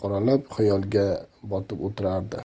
bilan qoralab xayolga botib o'tirardi